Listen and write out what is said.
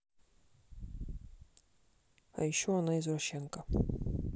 а еще она извращенка